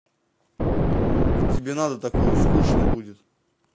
тебе надо такую скучно будет